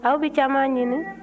aw bɛ caman ɲini